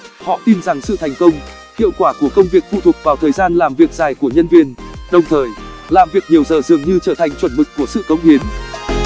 họ tin rằng sự thành công hiệu quả của công việc phụ thuộc vào thời gian làm việc dài của nhân viên đồng thời làm việc nhiều giờ dường như trở thành chuẩn mực của sự cống hiến